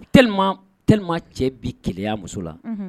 U teeli cɛ bi keya muso la